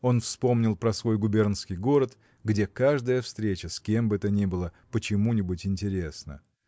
Он вспомнил про свой губернский город где каждая встреча с кем бы то ни было почему-нибудь интересна.